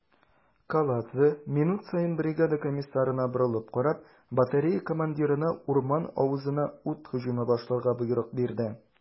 Каладзе, минут саен бригада комиссарына борылып карап, батарея командирына урман авызына ут һөҗүме башларга боерык бирде.